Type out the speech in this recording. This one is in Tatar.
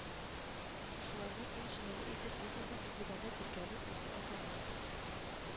Шуларның иң җиңеле итеп бизнесны төзегәндә теркәлү узу аталган